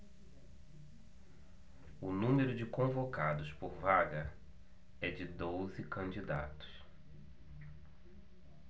o número de convocados por vaga é de doze candidatos